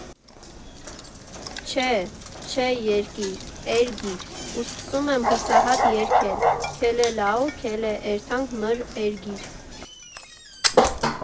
Չէ, չէ եր֊կիր, էր֊գիր, ու սկսում եմ հուսահատ երգել՝ «Քելե, լաո, քելե, էրթանք մըր էրգիր»։